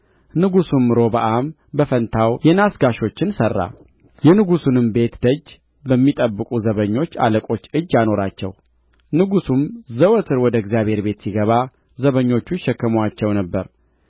ንጉሡም ሮብዓም በፋንታው የናስ ጋሾችን ሠራ የንጉሥንም ቤት ደጅ በሚጠብቁ በዘበኞች አለቆች እጅ አኖራቸው ንጉሡም ዘወትር ወደ እግዚአብሔር ቤት ሲገባ ዘበኞች ይሸከሙአቸው ነበር